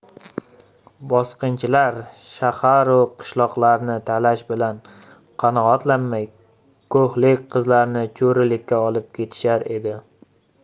bosqinchilar shaharu qishloqlarni talash bilan qanoatlanmay ko'hlik qizlarni cho'rilikka olib ketishar edi